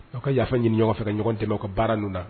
Aw ka yafa ɲini ɲɔgɔn fɛ, ka ɲɔgɔn dɛmɛ a ka baara ninnu na